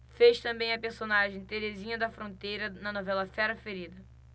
fez também a personagem terezinha da fronteira na novela fera ferida